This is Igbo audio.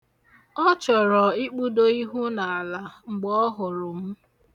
Ọ chọrọ ikpudo ịhụ n'ala mgbe ọ hụrụ m.